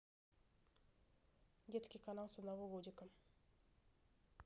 детский канал с одного годика